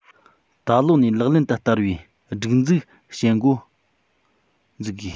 ད ལོ ནས ལག ལེན དུ བསྟར བའི སྒྲིག འཛུགས བྱེད འགོ འཛུགས དགོས